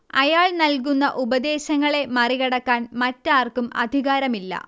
അയാൾ നൽകുന്ന ഉപദേശങ്ങളെ മറികടക്കാൻ മറ്റാർക്കും അധികാരമില്ല